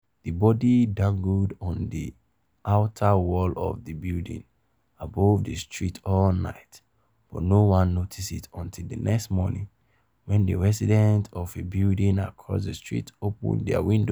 The body dangled on the outer wall of the building above the street all night, but no one noticed it until the next morning when the residents of a building across the street opened their window.